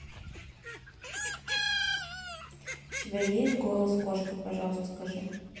у тебя есть голос кошка пожалуйста скажи